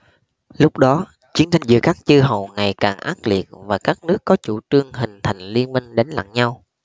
lúc đó chiến tranh giữa các chư hầu ngày càng ác liệt và các nước có chủ trương hình thành liên minh đánh lẫn nhau